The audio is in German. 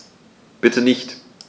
Bitte nicht.